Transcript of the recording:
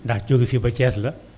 ndax jógee fii ba Thiès la